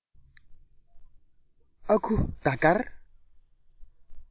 ཨ ཁུ ཟླ དཀར